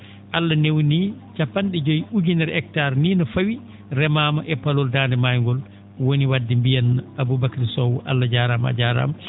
Allah newnii cappan?e joyyi ujunere hectares nii ne fawi remaama e palol Daande Maayo ngol woni wadde mbiyen Aboubacary Sow Allah jaaraama a jaaraama